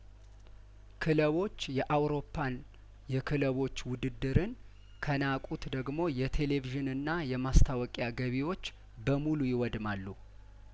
ክለቦች የአውሮፓን የክለቦች ውድድርን ከና ቁት ደግሞ የቴሌቭዥንና የማስታወቂያ ገቢዎች በሙሉ ይወድማሉ